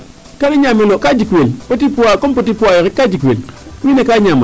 ka naa ñaamel o kaa jikweel petit pois comme petit pois yoo ka jikwel wiin we gaa ñaaman.